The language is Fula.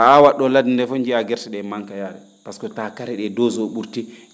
a aawat ?oo ladde ndee fof njiiya gerse ?e ma?ka yaade par ce que taa kare ?ee dose o ?urtii